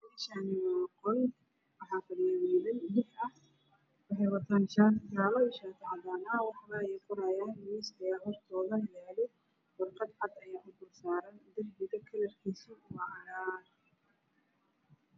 Meeshaan waa qol waxaa wiilal bis ah waxay wataan shaati cadaan ah iyo shaati jaale ah waxay qorahayaan miis ayaa hortooda yaalo warqad cad ayaa dulsaaran. miiska kalarkiisu waa cagaar.